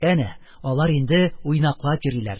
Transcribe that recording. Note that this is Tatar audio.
Әнә алар инде уйнаклап йөриләр.